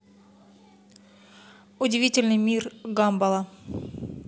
удивительный мир гамбола